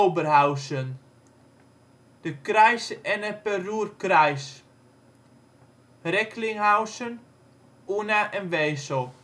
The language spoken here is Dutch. Oberhausen de Kreise Ennepe-Ruhr-Kreis, Recklinghausen, Unna en Wesel